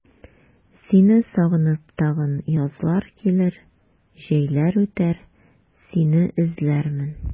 Сине сагынып тагын язлар килер, җәйләр үтәр, сине эзләрмен.